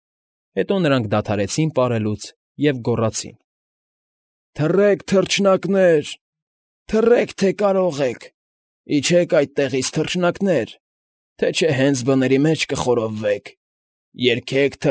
Հետո նրանք դադարեցին պարելուց և գոռացին. ֊ Թռեք, թռչնակներ… Թռեք, թե կարող եք… Իջեք այդտեղից, թռչնակներ, թե չէ հենց բների մեջ կխորովվեք… Երգեք,